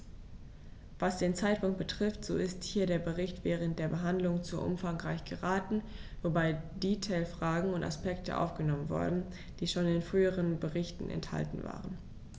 Was den Zeitpunkt betrifft, so ist hier der Bericht während der Behandlung zu umfangreich geraten, wobei Detailfragen und Aspekte aufgenommen wurden, die schon in früheren Berichten enthalten waren.